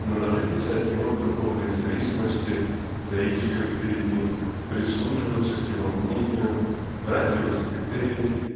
Но находиться от него в духовной зависимости заискивать передним прислуживаться к его мнению брать его за критерий